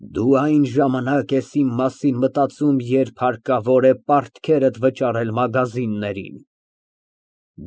Դու այն ժամանակ ես մտածում իմ մասին, երբ հարկավոր է պարտքերդ վճարել մագազիններին։